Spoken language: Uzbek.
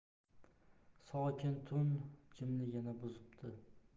sokin tun jimligini buzibdi